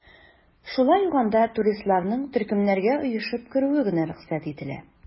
Шулай ук анда туристларның төркемнәргә оешып керүе генә рөхсәт ителә.